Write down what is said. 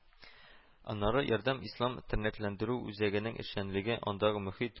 Аннары “Ярдәм” ислам тернәкләндерү үзәгенең эшчәнлеге, андагы мохит